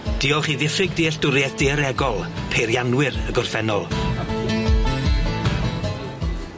Diolch i ddiffyg dealltwrieth daearegol peirianwyr y gorffennol.